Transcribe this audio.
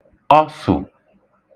ọsụ̀